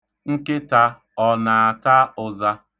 Nkịta, ọ na-ata ụza?